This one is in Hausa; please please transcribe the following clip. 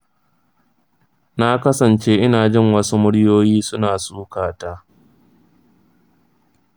na kasance ina jin wasu muryoyi suna sukata.